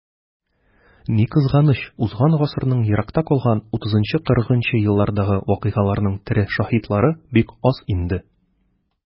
Ни кызганыч, узган гасырның еракта калган 30-40 нчы елларындагы вакыйгаларның тере шаһитлары бик аз инде.